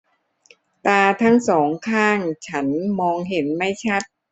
ตาทั้งสองข้างฉันมองเห็นไม่ชัด